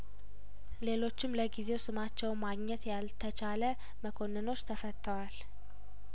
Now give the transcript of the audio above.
ሌሎችም ለጊዜው ስማቸውን ማግኘት ያልተቻለ መኮንኖች ተፈተዋል